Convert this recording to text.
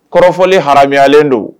Kɔrɔfɔli hayalen don